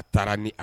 A taara ni